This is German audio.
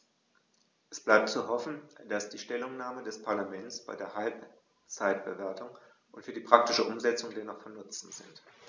Es bleibt zu hoffen, dass die Stellungnahmen des Parlaments bei der Halbzeitbewertung und für die praktische Umsetzung dennoch von Nutzen sind.